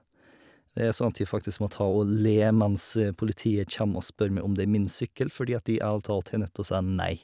Det er sånn at jeg faktisk må ta og le mens politiet kjem og spør meg om det er min sykkel, fordi at jeg ærlig talt har nødt å si nei.